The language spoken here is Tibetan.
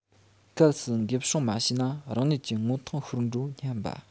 གལ སྲིད འགེབས སྲུང མ བྱས ན རང ཉིད ཀྱི ངོ ཐང ཤོར འགྲོ སྙམ པ